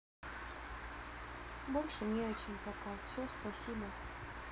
больше ни о чем пока все спасибо